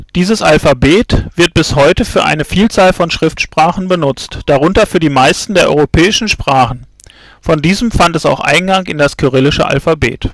Dieses Alphabet wird bis heute für eine Vielzahl von Schriftsprachen genutzt, darunter für die meisten der europäischen Sprachen. Von diesem fand es auch Eingang in das Kyrillische Alphabet